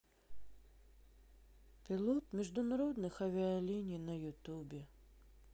пилот международных авиалиний на ютубе